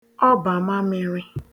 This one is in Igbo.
ọbà mamịri